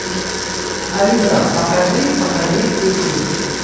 алиса покажи покажи песни